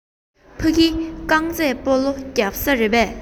ཕ གི རྐང རྩེད སྤོ ལོ རྒྱག ས རེད པས